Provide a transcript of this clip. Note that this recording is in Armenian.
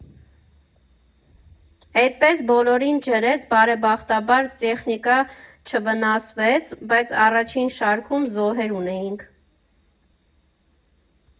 Էդպես բոլորին ջրեց, բարեբախտաբար, տեխնիկա չվնասվեց, բայց առաջին շարքում զոհեր ունեինք։